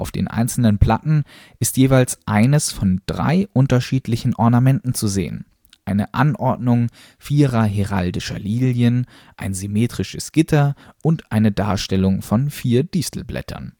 den einzelnen Platten ist jeweils eines von drei unterschiedlichen Ornamenten zu sehen: eine Anordnung vierer heraldischer Lilien, ein symmetrisches Gitter und eine Darstellung von vier Distelblättern